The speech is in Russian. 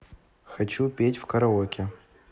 хочу петь в караоке